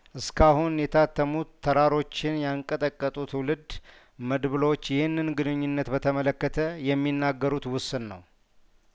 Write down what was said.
እስካሁን የታተሙት ተራሮችንያን ቀጠቀጡ ትውልድ መድብሎች ይህንን ግንኙነት በተመለከተ የሚናገሩት ውስን ነው